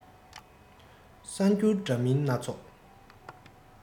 གསར འགྱུར འདྲ མིན སྣ ཚོགས